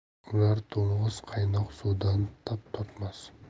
o'lar to'ng'iz qaynoq suvdan tap tortmas